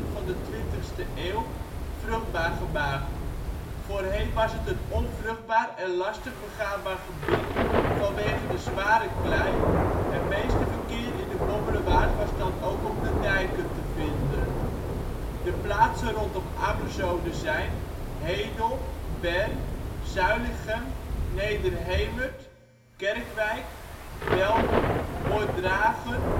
van de twintigste eeuw vruchtbaar gemaakt. Voorheen was het een onvruchtbaar en lastig begaanbaar gebied vanwege de zware klei; het meeste verkeer in de Bommelerwaard was dan ook op de dijken te vinden. Kasteel Ammersoyen Rooms-katholieke kerk Ammerzoden Nederlands Hervormde kerk Ammerzoden De plaatsen rondom Ammerzoden zijn: Hedel Bern Zuilichem Nederhemert Kerkwijk Well Wordragen